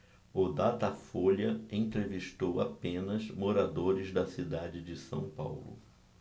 o datafolha entrevistou apenas moradores da cidade de são paulo